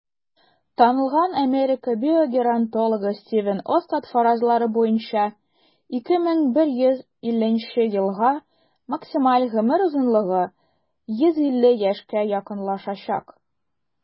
Танылган Америка биогеронтологы Стивен Остад фаразлары буенча, 2150 елга максималь гомер озынлыгы 150 яшькә якынлашачак.